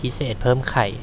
พิเศษเพิ่มไข่